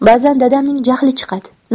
bazan dadamning jahli chiqadi